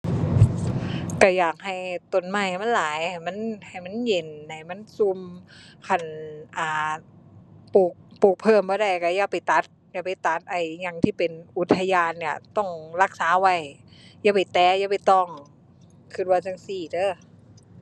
ก็อยากให้ต้นไม้มันหลายให้มัน ให้มันเย็นให้มันก็ คัน อาจ ปลูก ปลูกเพิ่มบ่ได้ก็อย่าไปตัด อย่าไปตัด ไอ้ อิหยังที่เป็นอุทยานเนี่ยต้องรักษาไว้อย่าไปแตะอย่าไปต้องก็ว่าจั่งซี้เด้อ